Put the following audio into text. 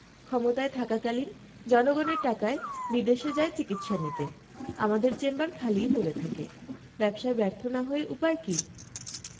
ক্ষমতায় থাকাকালীন জনগণের টাকায় বিদেশে যায় চিকিৎসা নিতে আমাদের চেম্বার খালিই পড়ে থাকে ব্যবসায় ব্যর্থ না হয়ে উপায় কী